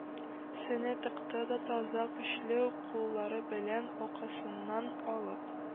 Сенә тыкты да, таза, көчле куллары белән якасыннан алып,